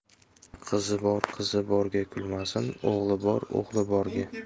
qizi bor qizi borga kulmasin o'g'li bor o'g'li borga